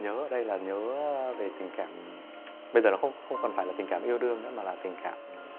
nhớ đây là nhớ về tình cảm bây giờ không còn phải là tình cảm yêu đương nữa mà là tình cảm